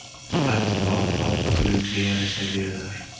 fatvo ham pulingga yarasha berilar